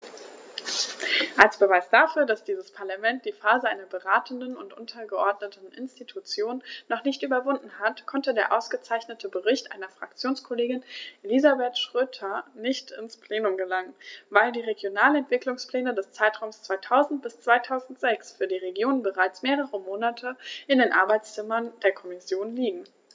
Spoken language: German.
Als Beweis dafür, dass dieses Parlament die Phase einer beratenden und untergeordneten Institution noch nicht überwunden hat, konnte der ausgezeichnete Bericht meiner Fraktionskollegin Elisabeth Schroedter nicht ins Plenum gelangen, weil die Regionalentwicklungspläne des Zeitraums 2000-2006 für die Regionen bereits mehrere Monate in den Arbeitszimmern der Kommission liegen.